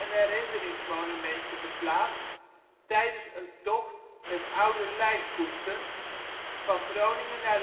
herinneringsmonumentje geplaatst tijdens een tocht met oude lijkkoetsen van Groningen